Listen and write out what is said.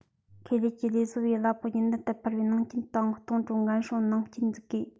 ཁེ ལས ཀྱི ལས བཟོ པའི གླ ཕོགས རྒྱུན ལྡན ལྟར འཕར བའི ནང རྐྱེན དང གཏོང སྤྲོད འགན སྲུང ནང རྐྱེན འཛུགས དགོས